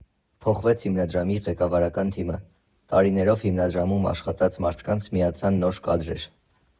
Փոխվեց հիմնադրամի ղեկավարական թիմը, տարիներով հիմնադրամում աշխատած մարդկանց միացան նոր կադրեր։